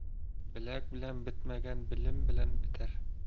bilak bilan bitmagan bilim bilan bitar